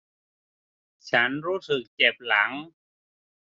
ฉันรู้สึกเจ็บหลัง